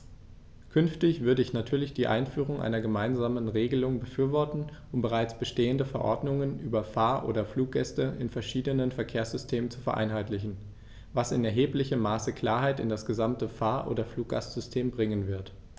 Künftig würde ich natürlich die Einführung einer gemeinsamen Regelung befürworten, um bereits bestehende Verordnungen über Fahr- oder Fluggäste in verschiedenen Verkehrssystemen zu vereinheitlichen, was in erheblichem Maße Klarheit in das gesamte Fahr- oder Fluggastsystem bringen wird.